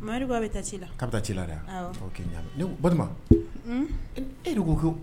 Mamari bɛ taa ci la ka bɛ taa ci la' ɲa balima e de ko kɛ